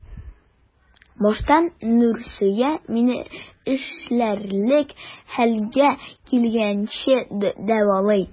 Башта Нурсөя мине эшләрлек хәлгә килгәнче дәвалый.